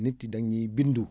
nit yi dañuy bindu